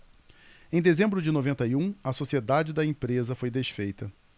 em dezembro de noventa e um a sociedade da empresa foi desfeita